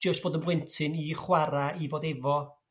jyst bod y blentyn i chwara' i fod efo